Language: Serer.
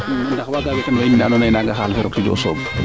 ndax waaga wetan wa in ne ando naye naaga xaale fe rokiidu mene o sooɓ